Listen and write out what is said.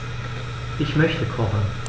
Ich möchte kochen.